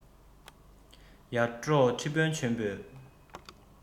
ཡར འབྲོག ཁྲི དཔོན ཆེན པོས